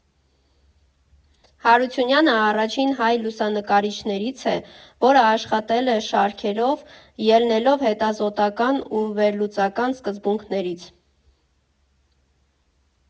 Հարությունյանը առաջին հայ լուսանկարիչներից է, որ աշխատել է շարքերով, ելնելով հետազոտական ու վերլուծական սկզբունքներից։